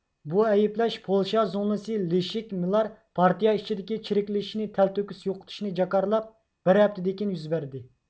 بۇ ئەيىبلەش پولشا زۇڭلىسى لېشېك مىلار پارتىيە ئىچىدىكى چىرىكلىشىشنى تەلتۆكۈس يوقىتىشنى جاكارلاپ بىر ھەپتىدىن كېيىن يۈز بەردى